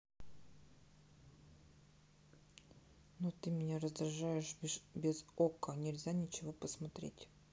но ты меня раздражаешь без okko нельзя ничего посмотреть